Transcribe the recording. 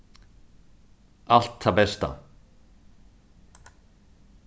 alt tað besta